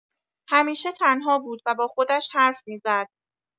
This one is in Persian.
همیشه تنها بود و با خودش حرف می‌زد.